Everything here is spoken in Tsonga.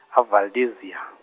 a- Valdezia.